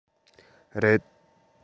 རེད